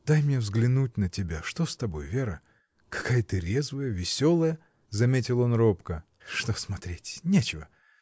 — Дай мне взглянуть на тебя: что с тобой, Вера? Какая ты резвая, веселая!. — заметил он робко. — Что смотреть — нечего!